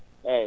eeyi